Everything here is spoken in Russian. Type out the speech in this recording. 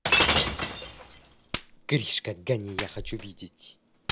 гришка гони я хочу видеть